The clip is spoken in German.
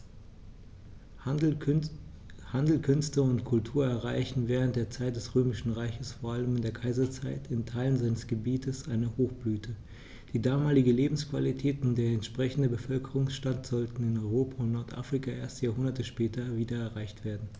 Handel, Künste und Kultur erreichten während der Zeit des Römischen Reiches, vor allem in der Kaiserzeit, in Teilen seines Gebietes eine Hochblüte, die damalige Lebensqualität und der entsprechende Bevölkerungsstand sollten in Europa und Nordafrika erst Jahrhunderte später wieder erreicht werden.